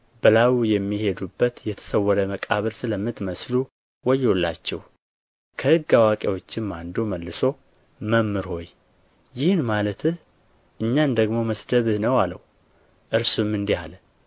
በላዩ የሚሄዱበት የተሰወረ መቃብር ስለምትመስሉ ወዮላችሁ ከሕግ አዋቂዎችም አንዱ መልሶ መምህር ሆይ ይህን ማለትህ እኛን ደግሞ መስደብህ ነው አለው እርሱም እንዲህ አለ